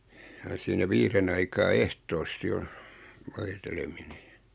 ja siinä viiden aikaan ehtoosti on voiteleminen